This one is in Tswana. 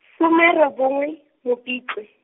some robongwe, Mopitlwe.